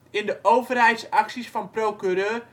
in de overheidsacties van procureur